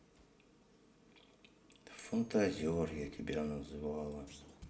фантазер я тебя называла